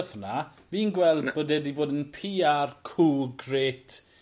w'th hwnna, fi'n gweld bod e 'di bod yn Pee Are coup grêt